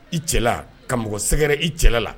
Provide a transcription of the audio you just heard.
I cɛla ka mɔgɔ sɛgɛrɛ i cɛla la